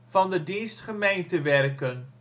van de dienst gemeentewerken